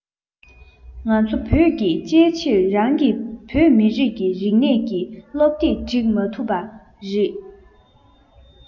ང ཚོ བོད ཀྱིས ཅིའི ཕྱིར རང གི བོད མི རིགས ཀྱི རིག གནས ཀྱི སློབ དེབ སྒྲིག མ ཐུབ པ རེད